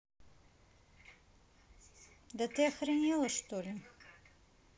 да ты охренела что ли